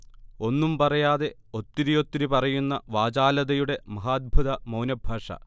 ഒന്നും പറയാതെ ഒത്തിരിയൊത്തിരി പറയുന്ന വാചാലതയുടെ മഹാദ്ഭുത മൗനഭാഷ